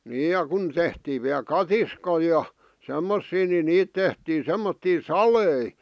niin ja kun tehtiin vielä katiskoja ja semmoisia niin niitä tehtiin semmoisia saleja